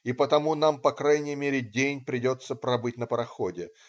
И потому нам, по крайней мере, день придется пробыть на пароходе.